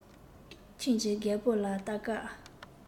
ཁྱིམ གྱི རྒད པོ ལ ལྟ སྐབས